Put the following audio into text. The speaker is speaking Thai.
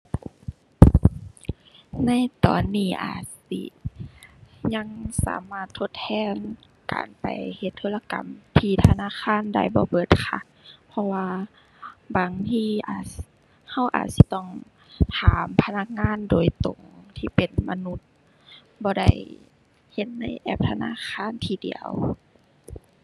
ในตอนนี้อาจสิยังสามารถทดแทนการไปเฮ็ดธุรกรรมที่ธนาคารได้บ่เบิดค่ะ เพราะว่าบางทีอาจ เราอาจสิต้องถามพนักงานโดยตรงที่เป็นมนุษย์ บ่ได้เฮ็ดในแอปธนาคารทีเดียว